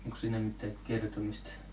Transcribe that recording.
onko siinä mitään kertomista